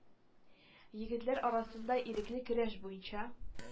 Егетләр арасында ирекле көрәш буенча